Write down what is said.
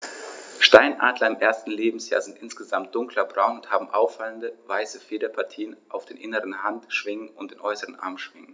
Steinadler im ersten Lebensjahr sind insgesamt dunkler braun und haben auffallende, weiße Federpartien auf den inneren Handschwingen und den äußeren Armschwingen.